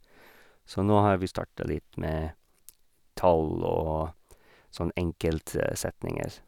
Så nå har vi starta litt med tall og sånn enkelte setninger.